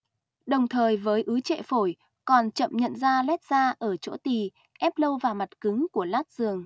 đồng thời với ứ trệ phổi còn chậm nhận ra loét da ở chỗ tì ép lâu vào mặt cứng của lát giường